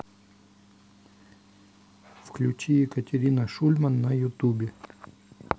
включи екатерина шульман на ютубе